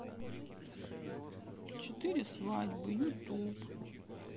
четыре свадьбы ютуб